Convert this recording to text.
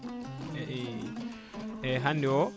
eyyi eyyi eyyi hannde o